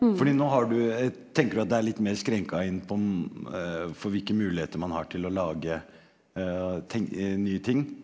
fordi nå har du tenker du at det er litt mer skrenka inn på for hvilke muligheter man har til å lage nye ting?